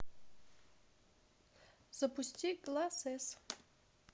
запусти гласес